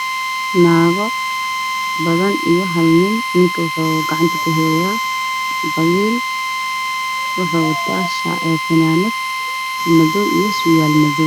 Waa naago iyo niman waxay wataan badeello